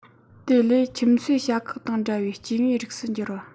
དེ ལས ཁྱིམ གསོས བྱ གག དང འདྲ བའི སྐྱེ དངོས རིགས སུ འགྱུར བ